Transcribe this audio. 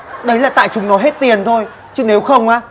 đấy là tại chúng nó hết tiền thôi chứ nếu không á